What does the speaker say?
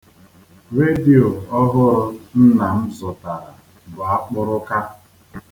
Radio ọhụrụ nna m zụtara bụ akpụrụka.